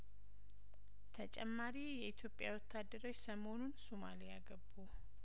ተጨማሪ የኢትዮጵያ ወታደሮች ሰሞኑን ሱማሊያ ገቡ